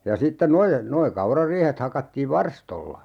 ja sitten - nuo kaurariihet hakattiin varstoilla